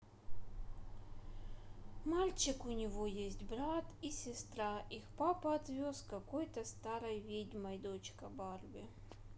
мальчик у него есть брат и сестра их папа отвез какой то старой ведьмой дочка барби